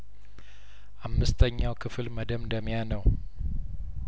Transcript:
አምስተኛው ክፍል መደምደሚያ ነው